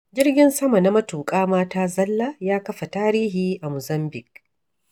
Jirgin sama na matuƙa mata zalla ya kafa tarihi a Mozambiƙue